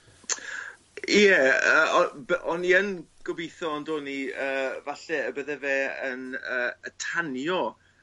Ie yy o- b- o'n i yn gobitho on'd o'n ni yy falle bydde fe yn yy tanio